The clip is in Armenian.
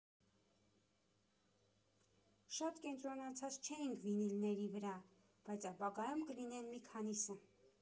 Շատ կենտրոնացած չենք վինիլների վրա, բայց ապագայում կլինեն մի քանիսը։